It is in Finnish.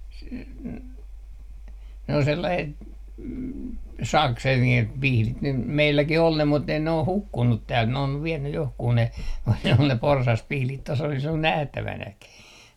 -- ne on sellaiset sakset niin kuin pihdit nyt meilläkin oli ne mutta ne on hukkunut täältä ne on vienyt johonkin ne kun ne oli ne porsaspihdit tuossa olisi ollut nähtävänäkin